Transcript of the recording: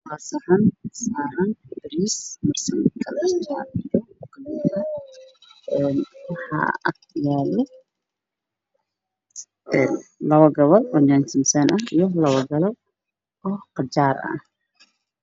Waa saxan cadaan ah waxaa ku jiro bariis